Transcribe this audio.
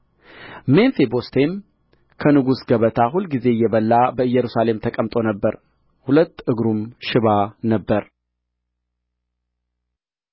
ሜምፊቦስቴም ከንጉሥ ገበታ ሁልጊዜ እየበላ በኢየሩሳሌም ተቀምጦ ነበር ሁለት እግሩም ሽባ ነበረ